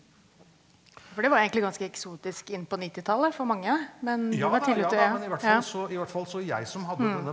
for det var egentlig ganske eksotisk inn på nittitallet for mange, men du var tidlige ute ja ja .